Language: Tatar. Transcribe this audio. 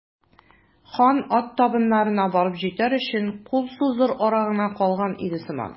Хан ат табыннарына барып җитәр өчен кул сузыр ара гына калган иде сыман.